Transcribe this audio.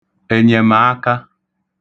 ènyèmàaka